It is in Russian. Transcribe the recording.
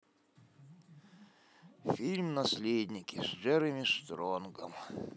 фильм наследники с джереми стронгом